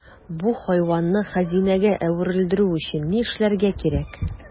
Бу хайванны хәзинәгә әверелдерү өчен ни эшләргә кирәк?